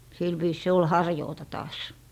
sillä viisin se oli harjuuta taas